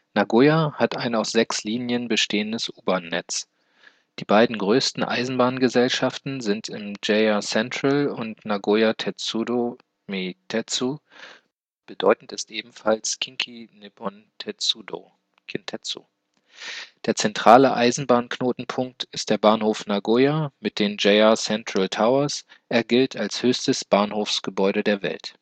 Nagoya hat ein aus 6 Linien bestehendes U-Bahn-Netz. Die beiden größten Eisenbahngesellschaften sind JR Central und Nagoya Tetsudō (Meitetsu), bedeutend ist ebenfalls Kinki Nippon Tetsudō (Kintetsu). Der zentrale Eisenbahnknotenpunkt ist der Bahnhof Nagoya mit den JR Central Towers, er gilt als höchstes Bahnhofsgebäude der Welt